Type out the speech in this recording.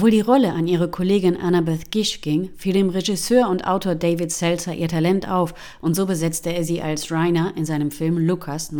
die Rolle an ihre Kollegin Annabeth Gish ging, fiel dem Regisseur und Autor David Seltzer ihr Talent auf und so besetzte er sie als Rina in seinem Film Lucas (1986) über